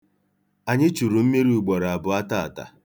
Anyị churu mmiri ugboroabụọ taata.